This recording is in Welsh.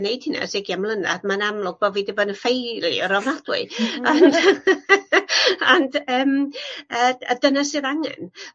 neud hynna e's ugian mlynedd mae'n amlwg bo' fi 'di bod yn faliure ofnadwy ond ond yym yy yy dyna sydd angen.